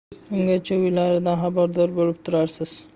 ungacha uylaridan xabardor bo'lib turarsiz